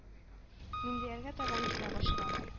Миндиярга табан килә башлады.